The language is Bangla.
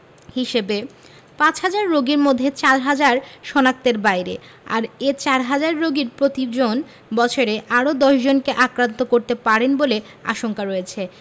হিসেবে পাঁচহাজার রোগীর মধ্যে চারহাজার শনাক্তের বাইরে আর এ চারহাজার রোগীর প্রতিজন বছরে আরও ১০ জনকে আক্রান্ত করতে পারেন বলে আশঙ্কা রয়েছে